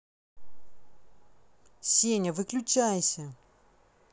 сеня выключайся